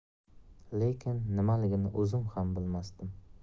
lekin nimaligini o'zim ham bilmasdim